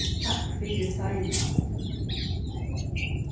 takk fyri seinast